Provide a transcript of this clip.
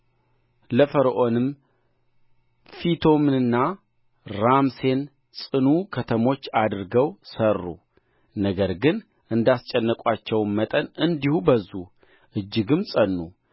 ለፈርዖንም ፊቶምንና ራምሴን ጽኑ ከተሞች አድርገው ሠሩ ነገር ግን እንዳስጨነቁአቸው መጠን እንዲሁ በዙ እጅግም ጸኑ